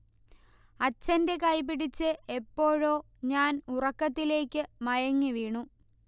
അച്ഛന്റെ കൈപിടിച്ച് എപ്പോഴോ ഞാൻ ഉറക്കത്തിലേക്കു മയങ്ങിവീണു